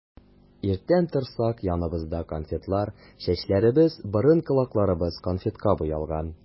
Иртән торсак, яныбызда конфетлар, чәчләребез, борын-колакларыбыз конфетка буялган.